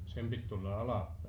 sen piti tulla alaspäin